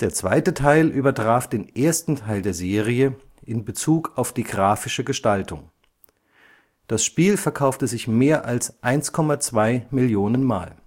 zweite Teil übertraf den ersten Teil der Serie in Bezug auf die grafische Gestaltung. Das Spiel verkaufte sich mehr als 1,2 Millionen mal